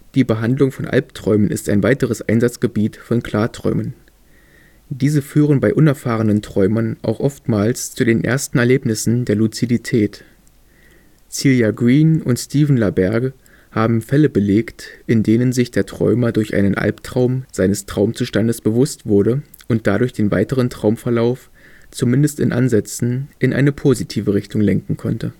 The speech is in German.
Die Behandlung von Albträumen ist ein weiteres Einsatzgebiet von Klarträumen. Diese führen bei unerfahrenen Träumern auch oftmals zu den ersten Erlebnissen der Luzidität. Celia Green und Stephen LaBerge haben Fälle belegt, in denen sich der Träumer durch einen Albtraum seines Traumzustandes bewusst wurde und dadurch den weiteren Traumverlauf – zumindest in Ansätzen – in eine positive Richtung lenken konnte